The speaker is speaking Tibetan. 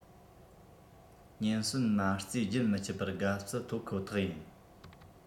ཉེན ཟོན མ རྩས རྒྱུན མི ཆད པར དགའ བསུ ཐོབ ཁོ ཐག ཡིན